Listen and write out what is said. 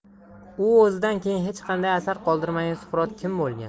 u o'zidan keyin hech qanday asar qoldirmagan suqrot kim bo'lgan